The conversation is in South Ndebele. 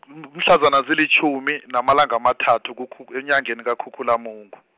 kum- mhlazana zilitjhumi, namalanga amathathu kuKhuk-, enyangeni kuKhukhulamungu.